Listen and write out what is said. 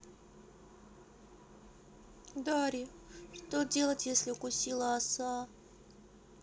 дарья что делать если укусила оса